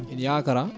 ene yakora